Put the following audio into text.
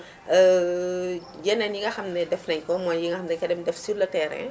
yeneen yi nga xam ne def nañu ko mooy yi nga xam ne dañu ko dem def sur le terrain